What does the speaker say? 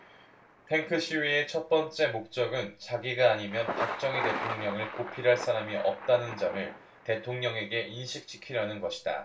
탱크 시위의 첫 번째 목적은 자기가 아니면 박정희 대통령을 보필할 사람이 없다는 점을 대통령에게 인식시키려는 것이다